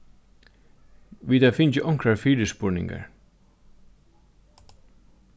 vit hava fingið onkrar fyrispurningar